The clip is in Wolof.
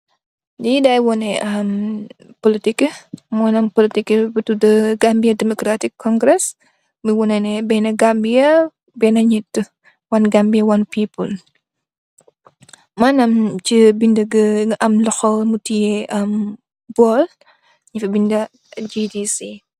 Lii day wane polotic, maanam polotik bu tudu, Gambiya Demokaratic Pati, muy wane ne, béénë Gambiya, béénë nit( One Gambia, One People). Ci bindë gi mu ngi am loxo, am bool ñu bindë si GDC.